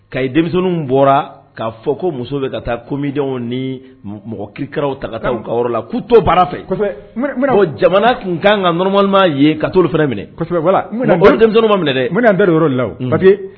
Ka ye denmisɛnnin bɔra k'a fɔ ko muso bɛ ka taa ko midenw ni mɔgɔ kikaraww ta ka taa u ka la k'u to baara fɛ jamana tun kan ka nmama ye ka to fana minɛ dɛ ma minɛ dɛ n an yɔrɔ ladi